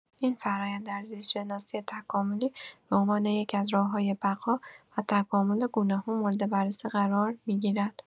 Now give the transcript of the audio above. این فرآیند در زیست‌شناسی تکاملی به‌عنوان یکی‌از راه‌های بقا و تکامل گونه‌ها مورد بررسی قرار می‌گیرد.